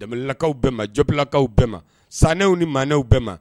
Danbelelakaw bɛɛ ma, Joblakaw bɛɛ ma, sanɛlakaw ni maaw bɛɛ ma